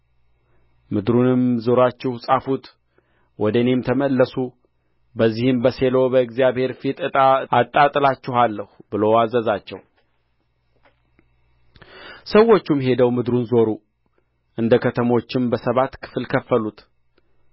ምድሩንም ዞራችሁ ጻፉት ወደ እኔም ተመለሱ በዚህም በሴሎ በእግዚአብሔር ፊት ዕጣ አጣጥላችኋለሁ ብሎ አዘዛቸው ሰዎቹም ሄደው ምድሩን ዞሩ እንደ ከተሞችም በሰባት ክፍል ከፈሉት